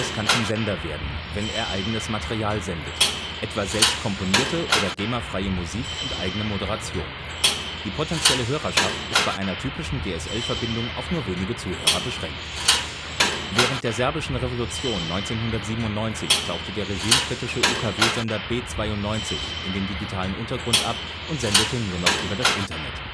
kann zum Sender werden, wenn er eigenes Material sendet, etwa selbst komponierte oder GEMA-freie Musik und eigene Moderation. Die potenzielle Hörerschaft ist bei einer typischen DSL-Verbindung auf nur wenige Zuhörer beschränkt. Während der serbischen Revolution 1997 tauchte der Regime-kritische UKW-Sender B92 in den digitalen Untergrund ab und sendete nur noch über das Internet